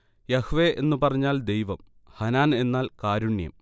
Yahweh എന്നു പറഞ്ഞാൽ ദൈവം, ഹനാൻ എന്നാൽ കാരുണ്യം